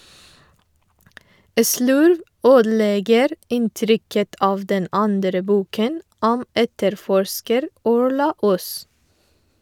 Slurv ødelegger inntrykket av den andre boken om etterforsker Orla Os.